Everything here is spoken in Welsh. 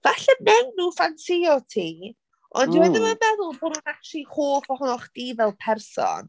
Falle wnawn nhw ffansïo ti ond dyw e ddim yn meddwl bod nhw'n acshyli hoff ohonoch chdi fel person.